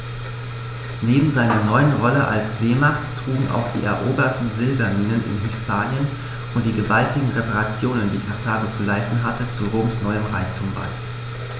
Neben seiner neuen Rolle als Seemacht trugen auch die eroberten Silberminen in Hispanien und die gewaltigen Reparationen, die Karthago zu leisten hatte, zu Roms neuem Reichtum bei.